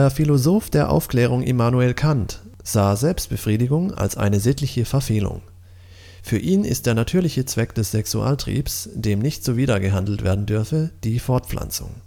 Philosoph der Aufklärung Immanuel Kant sah Selbstbefriedigung als eine sittliche Verfehlung. Für ihn ist der natürliche Zweck des Sexualtriebes, dem nicht zuwider gehandelt werden dürfe, die Fortpflanzung